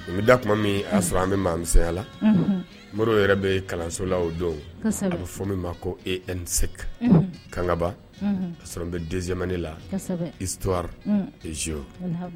N bɛ da tuma min aa sɔrɔ an bɛ mɔgɔsɛnyala mori yɛrɛ bɛ kalansola o don a bɛ fɔ min ma ko eisse kankaba a sɔrɔ n bɛ denmani la iturazo